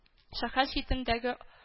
Шәһәр читендәге